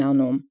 Կորյուն։